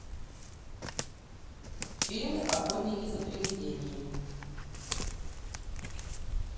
фильмы охотники за привидениями